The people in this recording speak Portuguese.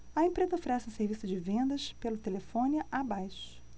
a empresa oferece um serviço de vendas pelo telefone abaixo